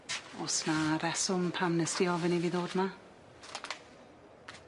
O's 'na reswm pam nest di ofyn i fi ddod 'ma?